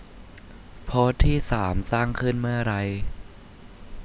โพสต์ที่สามสร้างขึ้นเมื่อไร